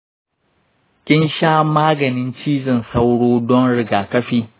kin sha maganin cizon sauro don rigakafi?